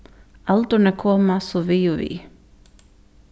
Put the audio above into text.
aldurnar koma so við og við